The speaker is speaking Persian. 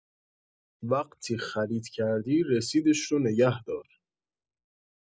وقتی خرید کردی رسیدش رو نگه دار